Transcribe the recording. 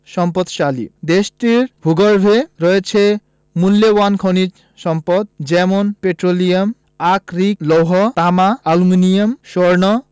সম্পদশালী দেশটির ভূগর্ভে রয়েছে মুল্যবান খনিজ সম্পদ যেমন পেট্রোলিয়াম আকরিক লৌহ তামা অ্যালুমিনিয়াম স্বর্ণ